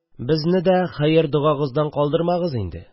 Безне дә хәер-догагыздан калдырмагыз...